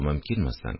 Мөмкинме соң